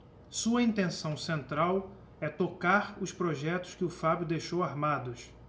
sua intenção central é tocar os projetos que o fábio deixou armados